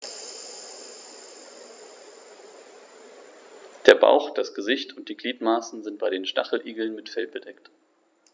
Der Bauch, das Gesicht und die Gliedmaßen sind bei den Stacheligeln mit Fell bedeckt.